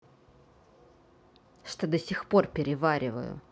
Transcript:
что до сих пор перевариваю